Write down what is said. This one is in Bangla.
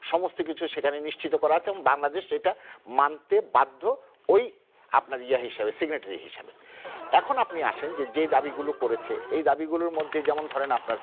সমস্ত কিছু সেখানে নিশ্চিত করা আছে এবং বাংলাদেশ এটা মানতে বাধ্য ওই আপনার ইয়া হিসেবে সিগনেট্রারি হিসাবে এখন আপনি আসেন যে দাবিগুলো করেছে এ দাবিগুলোর মধ্যে যেমন ধরেন আপনার